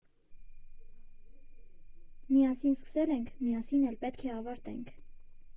«Միասին սկսել ենք, միասին էլ պետք է ավարտենք»։